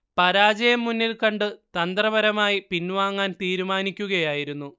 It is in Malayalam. പരാജയം മുന്നിൽ കണ്ടു തന്ത്രപരമായി പിൻവാങ്ങാൻ തീരുമാനിക്കുകയായിരുന്നു